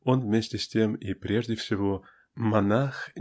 он вместе с тем и прежде всего -- монах